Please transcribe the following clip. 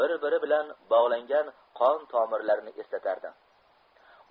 biri biri bilan bog'langan qon tomirlarini eslatardi